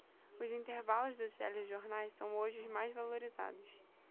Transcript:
os intervalos dos telejornais são hoje os mais valorizados